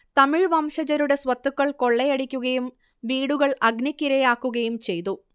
തമിഴ് വംശജരുടെ സ്വത്തുക്കൾ കൊള്ളയടിക്കുകയും വീടുകൾ അഗ്നിക്കിരയാക്കുകയും ചെയ്തു